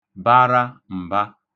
bara m̀ba